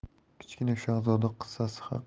kichkina shahzoda qissasi